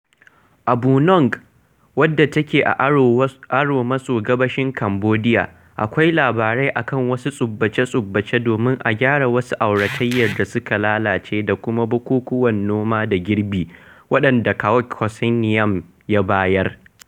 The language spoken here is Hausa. A Bunong, wadda take a arewa maso gabashin Cambodiya, akwai labarai a kan wasu tsubbace-tsubbace domin a gyara wasu auratayyar da suka lalace da kuma bukukuwan noma da girbi, waɗanda Khoeuk Keosineam ya bayar.